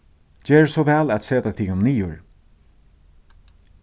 gerið so væl at seta tygum niður